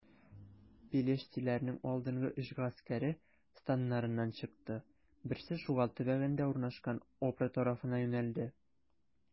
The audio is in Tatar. Пелештиләрнең алдынгы өч гаскәре, станнарыннан чыкты: берсе Шугал төбәгендә урнашкан Опра тарафына юнәлде.